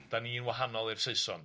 'Dan ni'n wahanol i'r Saeson.